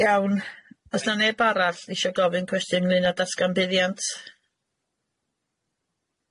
Iawn o's na neb arall isio gofyn cwestiwn neu' na datgan buddiant?